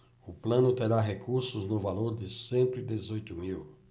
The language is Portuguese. o plano terá recursos no valor de cento e dezoito mil